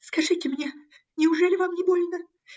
– Скажите мне, неужели вам не больно?